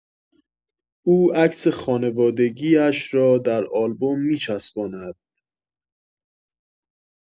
او عکس خانوادگی‌اش را در آلبوم می‌چسباند